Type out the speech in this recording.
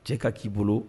Cɛ ka k'i bolo